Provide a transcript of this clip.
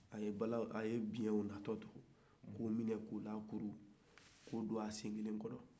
a ye bala a ye biɲɛ natɔ to k'o minɛ k'o lakuru k'o don a senkelen kɔrɔ